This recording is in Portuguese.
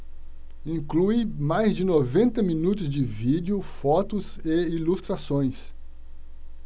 inclui mais de noventa minutos de vídeo fotos e ilustrações